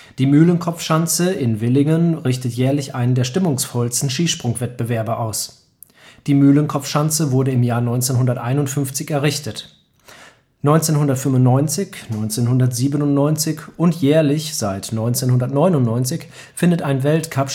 Die Mühlenkopfschanze in Willingen richtet jährlich einen der stimmungsvollsten Skisprung-Wettbewerbe aus. Die Mühlenkopfschanze wurde im Jahr 1951 errichtet. 1995, 1997 und jährlich seit 1999 findet ein Weltcup-Skispringen